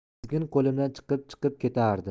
tizgin qo'limdan chiqib chiqib ketardi